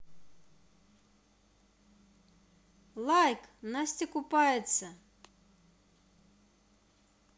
лайк настя купается